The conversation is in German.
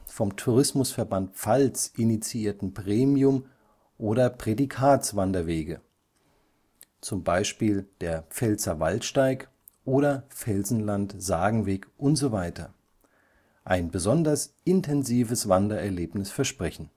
Tourismusverband Pfalz initiierten Premium - oder Prädikatswanderwege (z. B. „ Pfälzer Waldsteig “oder „ Felsenland Sagenweg “usw.) ein besonders intensives Wandererlebnis versprechen